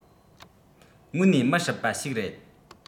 དངོས ནས མི སྲིད པ ཞིག རེད